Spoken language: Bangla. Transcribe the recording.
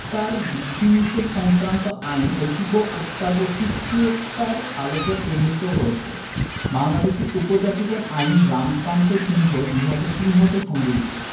তার বিধিনিষেধ সংক্রান্ত আইনটি অতীব অত্যাবশ্যকীয়তার আলোকে প্রণীত হয়েছে বাংলাদেশের উপজাতিদের আইন রামকান্ত সিংহ ২০০৩ হতে সংগৃহীত